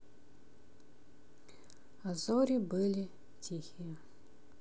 а зори были тихие